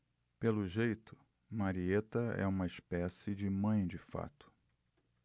pelo jeito marieta é uma espécie de mãe de fato